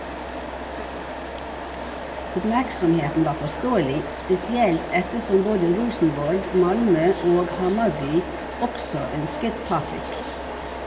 Oppmerksomheten var forståelig, spesielt ettersom både Rosenborg, Malmö og Hammarby også ønsket Patrik.